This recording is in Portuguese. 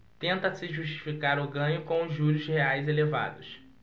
tenta-se justificar o ganho com os juros reais elevados